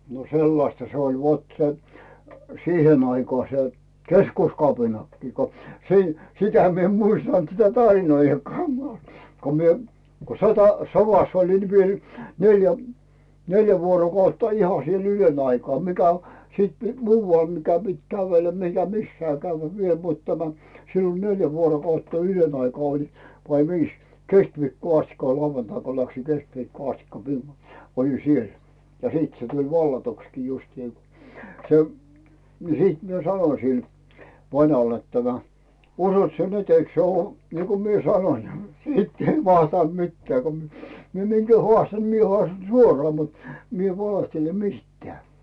no sellaista se oli vot se siihen aikaan se keskuskapinakin kun - sitä minä en muistanut sitä tarinoidakaan kun minä kun - sodassa olin niin minä olin neljä neljä vuorokautta ihan siellä ylen aikaa mikä - sitten muualla mikä piti kävellä mikä missään käydä vielä mutta tämä siinä oli neljä vuorokautta ylen aikaa olin vai viisi keskiviikkoon asti kun lauantaina kun lähdin keskiviikkoon asti - olin siellä ja sitten se tuli vallatuksikin justiin se niin sitten minä sanoin sille vanhalle että tämä uskot sinä nyt eikö se ole niin kuin minä sanoin sitten ei vastannut mitään kun - minä minkä haastan niin minä haastan suoraan mutta minä en valehtele mistään